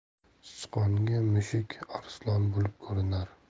sichqonga mushuk arslon bo'lib ko'rinar